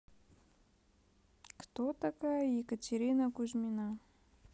кто такая екатерина кузьмина